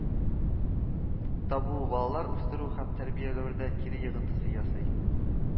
Табуы балалар үстерү һәм тәрбияләүдә кире йогынтысы ясый